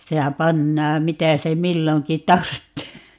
sehän pannaan mitä se milloinkin tarvitsee